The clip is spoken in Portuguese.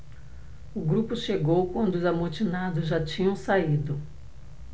o grupo chegou quando os amotinados já tinham saído